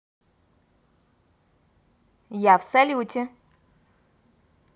я в салюте